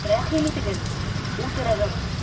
Рәхим итегез, утырыгыз!